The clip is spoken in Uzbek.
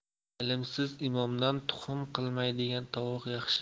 ilmsiz imomdan tuxum qilmaydigan tovuq yaxshi